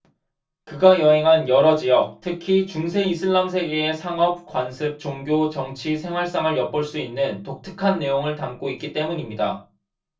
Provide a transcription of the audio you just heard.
그가 여행한 여러 지역 특히 중세 이슬람 세계의 상업 관습 종교 정치 생활상을 엿볼 수 있는 독특한 내용을 담고 있기 때문입니다